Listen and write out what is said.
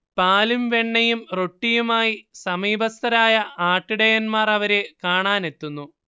പാലും വെണ്ണയും റൊട്ടിയുമായി സമീപസ്തരായ ആട്ടിടയന്മാർ അവരെ കാണാനെത്തുന്നു